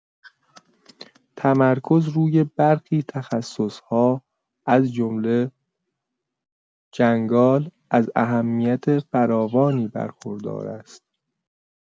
تمرکز روی برخی تخصص‌ها از جمله جنگال از اهمیت فراوانی برخوردار است.